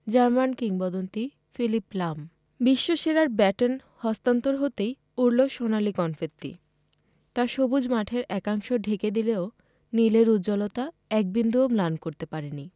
German কিংবদন্তি Philipp Lahm বিশ্বসেরার baton হস্তান্তর হতেই উড়ল সোনালি কনফেত্তি তা সবুজ মাঠের একাংশ ঢেকে দিলেও নীলের উজ্জ্বলতা এক বিন্দুও ম্লান করতে পারেনি